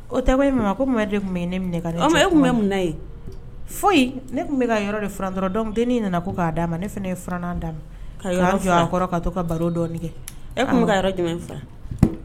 O ta ma de tun ye ne e tun bɛ mun ye foyi ne tun bɛ ka yɔrɔ deuran dɔrɔn dɔn tɛ ne nana ko k'a d'a ma ne fana ye' d'a ma ka baro kɛ